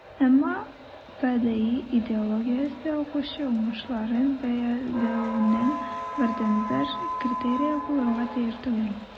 Әмма БДИ идеологиясе укучы уңышларын бәяләүнең бердәнбер критерие булырга тиеш түгел.